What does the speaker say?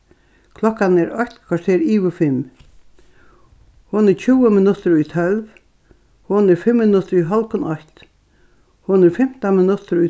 klokkan er eitt korter yvir fimm hon er tjúgu minuttir í tólv hon er fimm minuttir í hálvgum eitt hon er fimtan minuttir í